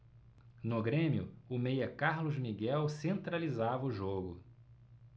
no grêmio o meia carlos miguel centralizava o jogo